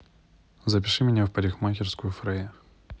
запиши меня в парикмахерскую фрея